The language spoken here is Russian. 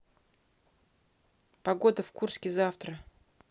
погода в курске завтра